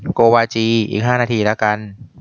โกวาจีอีกห้านาทีละกัน